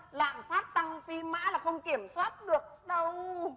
lạm phát tăng phi mã là không kiểm soát được đâu